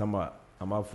San a b'a fɔ